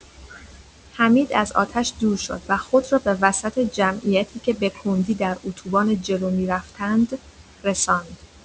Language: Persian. حمید از آتش دور شد و خود را به وسط جمعیتی که به کندی در اتوبان جلو می‌رفتند، رساند.